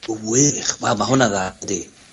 Wych, wel ma' hwnna'n dda, ydi.